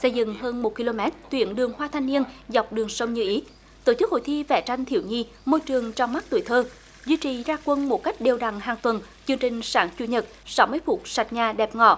xây dựng hơn một ki lô mét tuyến đường hoa thanh niên dọc đường sông như ý tổ chức hội thi vẽ tranh thiếu nhi môi trường trong mắt tuổi thơ duy trì ra quân một cách đều đặn hàng tuần chương trình sáng chủ nhật sáu mươi phút sạch nhà đẹp ngõ